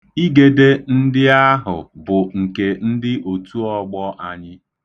Igede ndị ahụ bụ nke ndị otuọgbọ anyị.